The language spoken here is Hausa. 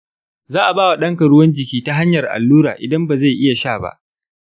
za a ba wa ɗanka ruwan jiki ta hanyar allura idan ba zai iya sha ba.